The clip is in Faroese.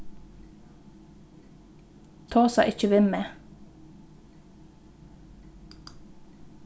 tosa ikki við meg